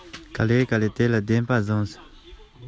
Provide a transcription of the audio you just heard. སྒོ ནས ཁྱིམ གྱི རྒད པོ དང མཉམ དུ